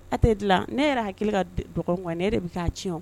A tɛ dilan ne yɛrɛ hakili ka dɔgɔkun ne de bɛ k'a ci